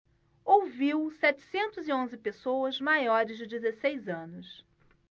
ouviu setecentos e onze pessoas maiores de dezesseis anos